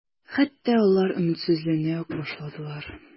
Хәтта алар өметсезләнә үк башладылар.